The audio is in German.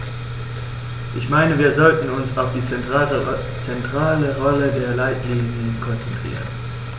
Ich meine, wir sollten uns auf die zentrale Rolle der Leitlinien konzentrieren.